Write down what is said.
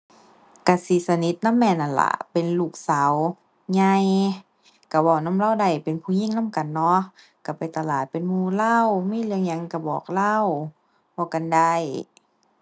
ก็สิสนิทนำแม่นั่นล่ะเป็นลูกสาวใหญ่ ก็เว้านำเลาได้เป็นผู้หญิงนำกันเนาะ ก็ไปตลาดเป็นหมู่เลามีเรื่องหยังก็บอกเลาเว้ากันได้